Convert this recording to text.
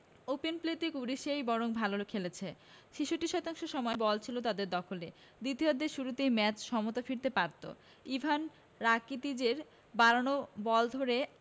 open প্লেতে ক্রোয়েশিয়াই বরং ভালো খেলেছে ৬৬ শতাংশ সময় বল ছিল তাদের দখলে দ্বিতীয়ার্ধের শুরুতেই ম্যাচে সমতা ফিরতে পারত ইভান রাকিতিচের বাড়ানো বল ধরে